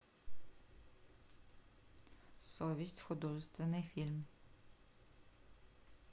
совесть художественный фильм